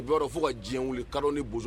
U fo ka diɲɛ wili kalo ni bo